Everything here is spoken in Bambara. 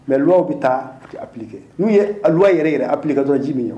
Mais loi bɛ taa a tɛ appliquer n'u ye a loi yɛrɛ yɛrɛ appliquer dɔrɔn ji bɛ ɲɛw o